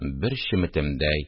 Бер чеметемдәй